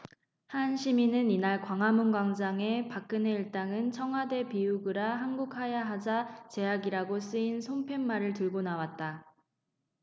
한 시민은 이날 광화문광장에 박근혜 일당은 청와대를 비우그라 한국하야하자 제약이라고 쓰인 손팻말을 들고 나왔다